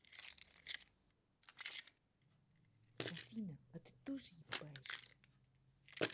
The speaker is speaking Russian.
афина а ты тоже ебаешься